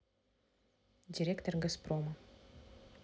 директор газпрома